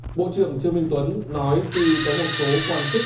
bộ trưởng trương minh tuấn nói tuy có một số quan chức